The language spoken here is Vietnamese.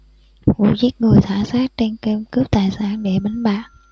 vụ giết người thả xác trên kênh cướp tài sản để đánh bạc